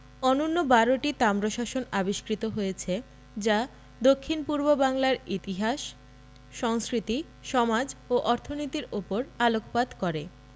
অন্যূন বারোটি তাম্রশাসন আবিষ্কৃত হয়েছে যা দক্ষিণ পূর্ব বাংলার ইতিহাস সংস্কৃতি সমাজ ও অর্থনীতির ওপর আলোকপাত করে